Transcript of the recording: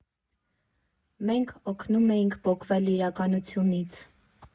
Մենք օգնում էինք պոկվել իրականությունից։